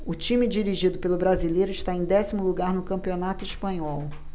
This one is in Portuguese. o time dirigido pelo brasileiro está em décimo lugar no campeonato espanhol